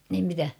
niin mitä